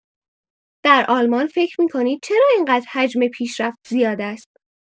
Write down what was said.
در آلمان فکر می‌کنید چرا اینقدر حجم پیشرفت زیاد است؟